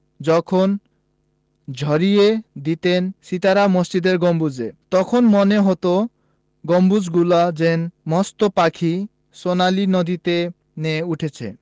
যখন ঝরিয়ে দিতেন সিতারা মসজিদের গম্বুজে তখন মনে হতো গম্বুজগুলো যেন মস্ত পাখি সোনালি নদীতে নেয়ে উঠেছে